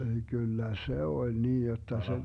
kyllä se oli niin jotta se